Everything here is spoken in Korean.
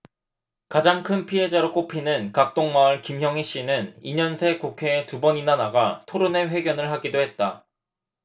가장 큰 피해자로 꼽히는 각동마을 김영희씨는 이 년 새 국회에 두 번이나 나가 토론회 회견을 하기도 했다